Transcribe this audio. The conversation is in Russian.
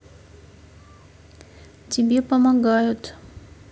тебе помогают